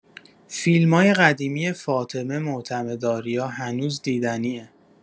فیلمای قدیمی فاطمه معتمدآریا هنوز دیدنیه.